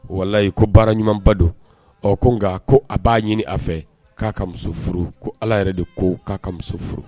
Walayi ko baara ɲumanba don, ɔ nka ko a b'a ɲini a fɛ ko a ka muso furu ko ala yɛrɛ de ko, ko a ka muso furu.